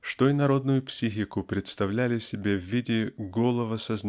что и народную психику представляли себе в виде голого со-.